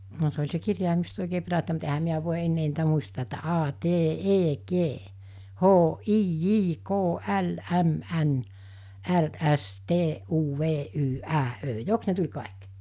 no se oli se kirjaimisto oikein perättäin mutta eihän minä voi enää niitä muistaa että aa tee ee kee hoo ii jii koo äl äm än är äs tee uu vee yy ää öö jokos ne tuli kaikki